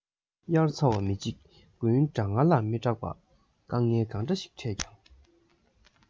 དབྱར ཚ བར མི འཇིགས དགུན གྲང ངར ལ མི སྐྲག པ དཀའ ངལ གང འདྲ ཞིག ཕྲད ཀྱང